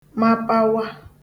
mapawa